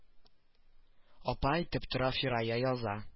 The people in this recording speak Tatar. Апа әйтеп тора фирая яза